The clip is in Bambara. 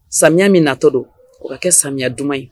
Sami min natɔ don o ka kɛ samiya duman ye